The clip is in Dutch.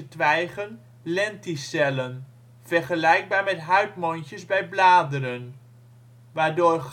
twijgen lenticellen, vergelijkbaar met huidmondjes bij bladeren, waardoor